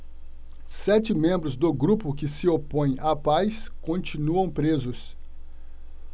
sete membros do grupo que se opõe à paz continuam presos